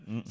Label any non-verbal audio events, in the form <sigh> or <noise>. <hesitation> <hesitation>